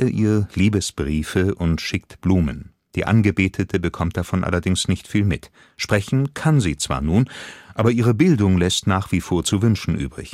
ihr Liebesbriefe und schickt Blumen. Die Angebetete bekommt davon allerdings nicht viel mit. Sprechen kann sie zwar nun, aber ihre Bildung lässt nach wie vor zu wünschen übrig